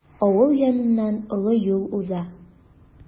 Авыл яныннан олы юл уза.